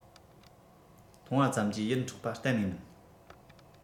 མཐོང བ ཙམ གྱིས ཡིད འཕྲོག པ གཏན ནས མིན